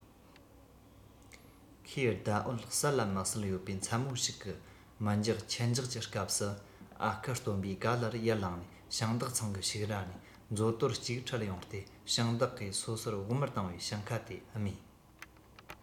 ཁོས ཟླ འོད གསལ ལ མི གསལ ཡོད པའི མཚན མོ ཞིག གི མི འཇགས ཁྱི འཇགས ཀྱི སྐབས སུ ཨ ཁུ སྟོན པས ག ལེར ཡར ལངས ནས ཞིང བདག ཚང གི ཕྱུགས ར ནས མཛོ དོར གཅིག ཁྲིད ཡོང སྟེ ཞིང བདག གིས སོ སོར བོགས མར བཏང བའི ཞིང ཁ དེ རྨོས